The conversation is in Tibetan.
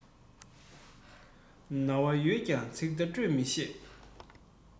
རྣ བ ཡོད ཀྱང ཚིག བརྡ སྤྲོད མི ཤེས